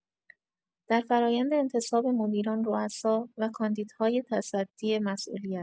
در فرایند انتصاب مدیران، روسا و کاندیداهای تصدی مسئولیت